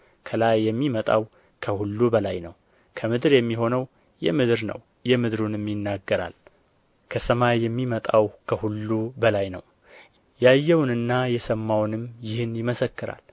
ከላይ የሚመጣው ከሁሉ በላይ ነው ከምድር የሚሆነው የምድር ነው የምድሩንም ይናገራል ከሰማይ የሚመጣው ከሁሉ በላይ ነው ያየውንና የሰማውንም ይህን ይመሰክራል